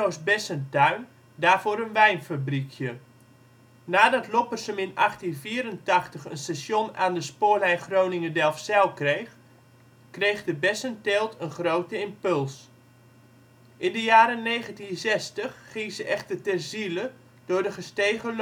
s Bessentuin daarvoor een wijnfabriekje. Nadat Loppersum in 1884 een station aan de spoorlijn Groningen - Delfzijl kreeg de bessenteelt een grote impuls. In de jaren 1960 ging ze echter ter ziele door de gestegen